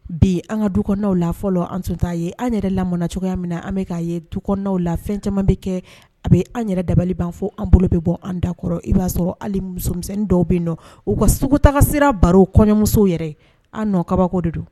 Bi an ka du kɔnɔw la fɔlɔ an tun t'a ye an yɛrɛ lamɔna cogoya min na an bɛ k'a ye dukɔnɔnaw la fɛn caman bɛ kɛ a bɛ an yɛrɛ dabaliban fo an bolo bɛ bɔ an dakɔrɔ i b'a sɔrɔ hali musomisɛnnin dɔw bɛ yen nɔ u ka sugutagasira baro kɔɲɔmuso yɛrɛ ah non kabako de don